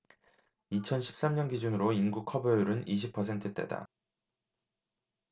이천 십 삼 년 기준으로 인구 커버율은 이십 퍼센트대다